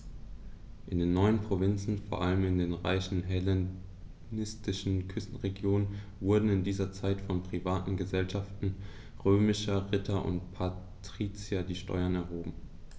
In den neuen Provinzen, vor allem in den reichen hellenistischen Küstenregionen, wurden in dieser Zeit von privaten „Gesellschaften“ römischer Ritter und Patrizier die Steuern erhoben.